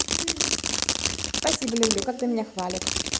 спасибо люблю когда меня хвалят